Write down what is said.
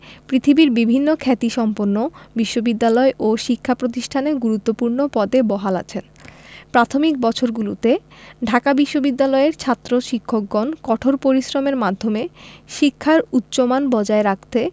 পৃথিবীর বিভিন্ন খ্যাতিসম্পন্ন বিশ্ববিদ্যালয় ও শিক্ষা প্রতিষ্ঠানে গুরুত্বপূর্ণ পদে বহাল আছেন প্রাথমিক বছরগুলিতে ঢাকা বিশ্ববিদ্যালয়ের ছাত্র শিক্ষকগণ কঠোর পরিশ্রমের মাধ্যমে শিক্ষার উচ্চমান বজায় রাখতে